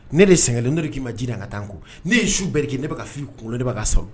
Ne de sɛgɛn kelen n ne k'i ma jina n ka taa ko ne ye su bɛɛrike ne bɛ ka f fɔ ii kunkolo de b'a so